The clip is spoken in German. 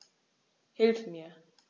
Hilf mir!